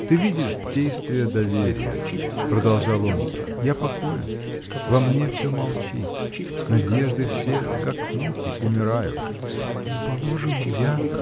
— Ты видишь действие доверия, — продолжал он, — я покоен, во мне всё молчит, надежды все, как мухи, умирают. — Ну, положим, я.